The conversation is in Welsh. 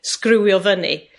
sgriwio fyny.